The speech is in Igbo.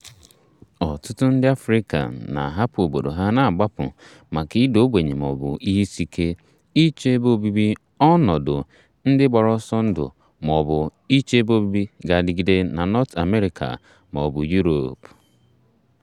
Ọtụtụ ndị Afrịka na-ahapụ obodo ha gbapụ maka ịda ogbenye mọọbụ ihe isi ike, ịchọ ebe obibi, ọnọdụ ndị gbara ọsọ ndụ mọọbụ ịchọ ebe obibi ga-adịgide na North America mọọbụ Europe.